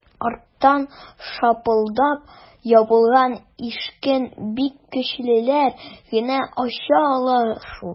Арттан шапылдап ябылган ишекне бик көчлеләр генә ача ала шул...